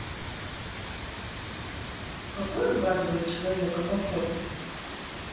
какой угадывает человека по фотке